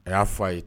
A y'a f fɔ aa ye